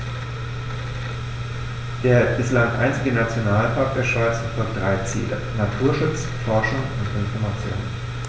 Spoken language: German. Der bislang einzige Nationalpark der Schweiz verfolgt drei Ziele: Naturschutz, Forschung und Information.